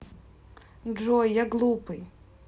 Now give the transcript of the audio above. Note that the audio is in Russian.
джой я глупый